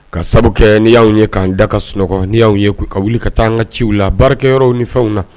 Ka sabu kɛ ni y'anw ye k'an da ka sunɔgɔ ni y'aw ye k u ka wuli ka taa an ka ciw la baarakɛyɔrɔw ni fɛnw na